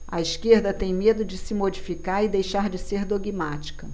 a esquerda tem medo de se modificar e deixar de ser dogmática